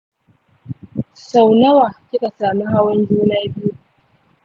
sau nawa kika sami hawan juna biyu?